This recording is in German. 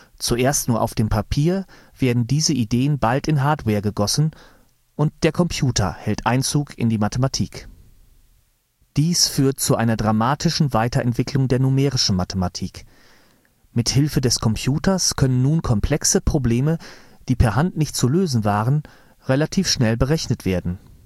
Zuerst nur auf dem Papier, werden diese Ideen bald in Hardware gegossen und der Computer hält Einzug in die Mathematik. Dies führt zu einer dramatischen Weiterentwicklung der numerischen Mathematik. Mit Hilfe des Computers können nun komplexe Probleme, die per Hand nicht zu lösen waren, relativ schnell berechnet werden